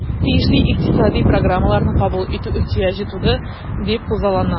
Тиешле икътисадый программаларны кабул итү ихтыяҗы туды дип күзаллана.